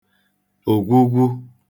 ògwugwu